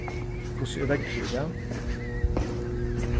hvussu er veðrið í dag